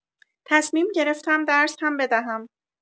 تصمیم گرفتم درس هم بدهم.